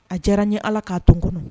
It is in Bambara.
A diyara n ye ala k'a dɔn kɔnɔ